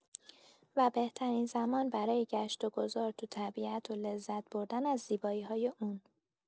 و بهترین زمان برای گشت و گذار تو طبیعت و لذت‌بردن از زیبایی‌های اون.